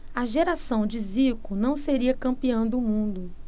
a geração de zico não seria campeã do mundo